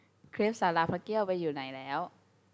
เครปศาลาพระเกี้ยวไปอยู่ไหนแล้ว